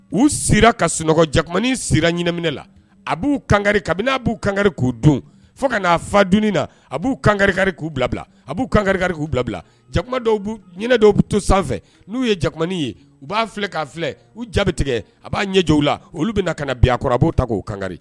U sera ka sunɔgɔ jamaninin sera ɲɛnaminɛ na a b'u kangari kabini a b'u kan k'u don fo ka'a fa dun na a b'u kangari k'u bila a'u kankɛri k'u bila bila jakuma dɔw ɲ dɔw to sanfɛ n'u ye jamani ye u b'a filɛ' filɛ u jaabi tigɛ a b'a ɲɛjw la olu bɛna na ka na bin a kɔrɔ a b'o ta k'o kankari